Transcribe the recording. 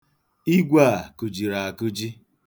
Igwe a kụjiri akụji.